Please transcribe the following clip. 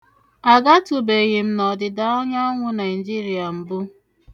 Agatubeghị n'ọdịdaanyanwụ Naịjirịa mbụ.